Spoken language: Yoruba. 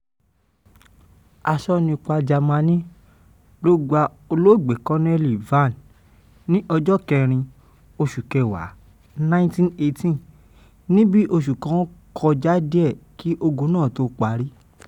Asọnipa Jamaní ló pa Lt Col Vann ní ọjọ 4 oṣù kẹwàá 1918 - ní bí oṣù kan kọjá díẹ̀ kí ogun tó parí.